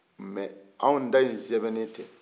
mɛ an ta in sɛbɛnnen tɛ